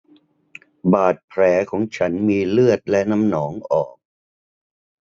บาดแผลของฉันมีเลือดและน้ำหนองออก